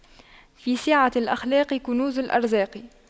في سعة الأخلاق كنوز الأرزاق